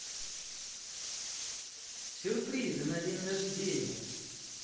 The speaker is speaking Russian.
сюрпризы на день рождения